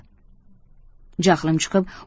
jahlim chiqib